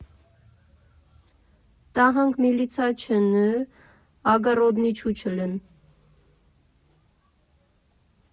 ֊Տահանք միլիցա չըն էէէ, ագառոդնի չուչելըն։